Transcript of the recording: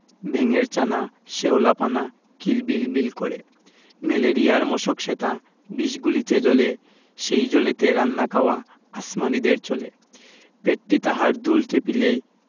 ব্যাঙের ছানা শ্যাওলা পানা কিল বিল বিল করে ম্যালেরিয়ার মশক সেথা বিষ গুলিছে জলে সেই জলেতে রান্না খাওয়া আসমানীদের চলে পেটটি তাহার দুলছে পিলে